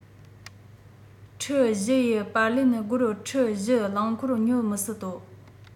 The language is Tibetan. ཁྲི ༤ ཀྱི པར ལེན སྒོར ཁྲི ༤ རླངས འཁོར ཉོ མི སྲིད དོ